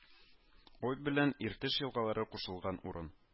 Об белән Иртеш елгалары кушылан урын